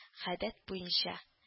Гадәт буенча